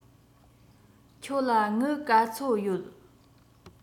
ཁྱོད ལ དངུལ ག ཚོད ཡོད